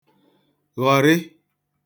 ghọ̀rị